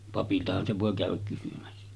papiltahan se voi käydä kysymässä